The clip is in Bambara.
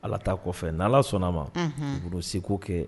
Ala ta kɔfɛ n'Ala sɔnn'a ma unhun u ben'u seko kɛɛ